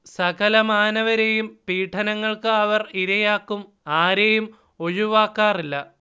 സകലമാനവരെയും പീഢനങ്ങൾക്ക് അവർ ഇരയാക്കും. ആരെയും ഒഴിവാക്കാറില്ല